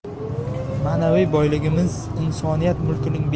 ma'naviy boyligimiz insoniyat mulkining